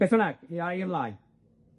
Beth bynnag, mi â i ymlaen.